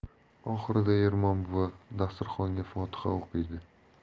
oxirida ermon buva dasturxonga fotiha o'qiydi